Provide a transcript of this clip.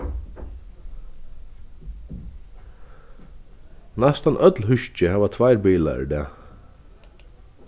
næstan øll húski hava tveir bilar í dag